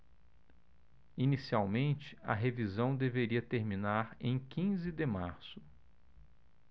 inicialmente a revisão deveria terminar em quinze de março